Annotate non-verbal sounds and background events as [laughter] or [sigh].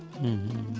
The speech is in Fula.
[hesitation] [hesitation]